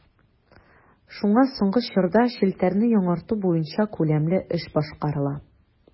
Шуңа соңгы чорда челтәрне яңарту буенча күләмле эш башкарыла.